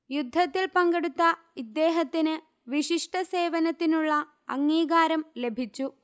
യുദ്ധത്തിൽ പങ്കെടുത്ത ഇദ്ദേഹത്തിന് വിശിഷ്ട സേവനത്തിനുള്ള അംഗീകാരം ലഭിച്ചു